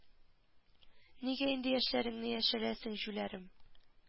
Нигә инде яшьләреңне яшерәсең җүләрем